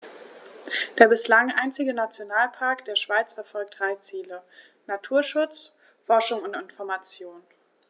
Der bislang einzige Nationalpark der Schweiz verfolgt drei Ziele: Naturschutz, Forschung und Information.